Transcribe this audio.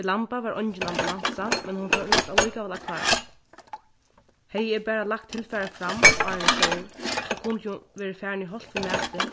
í lamba var eingin ambulansa men hon fór nokk allíkavæl at klára hevði eg bara lagt tilfarið fram áðrenn eg fór so kundi hon verið farin í holt við matin